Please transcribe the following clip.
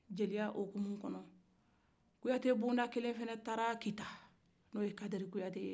jeliya hukumu kɔnɔ kuyate bonda kelen fɛnɛ taara kita n'o ye kadɛri kuyate ye